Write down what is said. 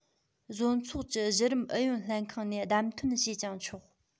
བཟོ ཚོགས ཀྱི གཞི རིམ ཨུ ཡོན ལྷན ཁང ནས བདམས ཐོན བྱས ཀྱང ཆོག